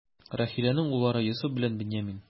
Рахиләнең уллары: Йосыф белән Беньямин.